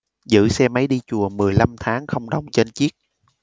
giữ xe máy đi chùa mười lăm tháng không đồng trên chiếc